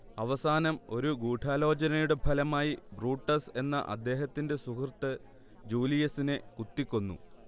അവസാനം ഒരു ഗൂഡാലോചനയുടെ ഫലമായി ബ്രൂട്ടസ് എന്ന അദ്ദേഹത്തിന്റെ സുഹൃത്ത് ജൂലിയസിനെ കുത്തിക്കൊന്നു